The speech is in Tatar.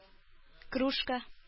Кружка